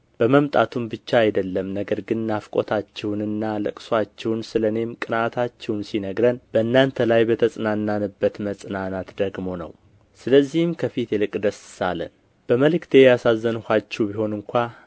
በመምጣቱም ብቻ አይደለም ነገር ግን ናፍቆታችሁንና ልቅሶአችሁን ስለ እኔም ቅንዓታችሁን ሲናገረን በእናንተ ላይ በተጽናናበት መጽናናት ደግሞ ነው ስለዚህም ከፊት ይልቅ ደስ አለን በመልእክቴ ያሳዘንኋችሁ ብሆን እንኳ